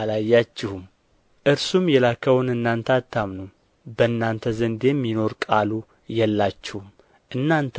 አላያችሁም እርሱም የላከውን እናንተ አታምኑምና በእናንተ ዘንድ የሚኖር ቃሉ የላችሁም እናንተ